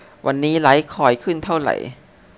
วันนี้ไลท์คอยน์ขึ้นเท่าไหร่